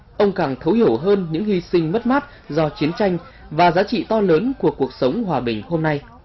ông càng thấu hiểu hơn những hy sinh mất mát do chiến tranh và giá trị to lớn của cuộc sống hòa bình hôm nay